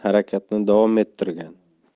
harakatni davom ettirgan